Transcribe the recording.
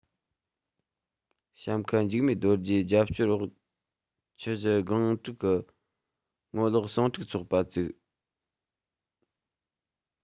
བྱམས ཁ འཇིགས མེད རྡོ རྗེས རྒྱབ སྐྱོར འོག ཆུ བཞི སྒང དྲུག གི ངོ ལོགས ཟིང འཁྲུག ཚོགས པ བཙུགས